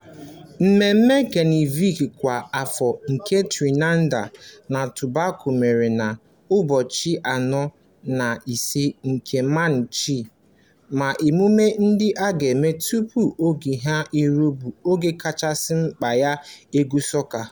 Mmemme Kanịva kwa afọ nke Trinidad na Tobago mere na n'ụbọchị 4 na 5 nke Maachị, ma emume ndị ga-eme tupu oge ahụ eruo bụ oge kacha mkpa nye egwu sọka.